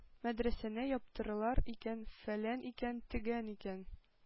Мәдрәсәне яптыралар икән, фәлән икән, төгән икән!